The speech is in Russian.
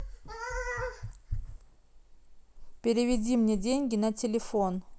переведи мне деньги на телефон